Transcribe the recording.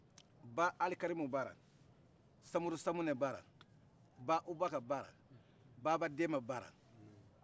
ba alkarimu bala samourou samune bala ba obaka bala baba demba bala